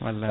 wallay